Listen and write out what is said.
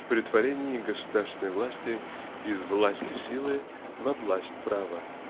претворении государственной власти из власти силы во власть права.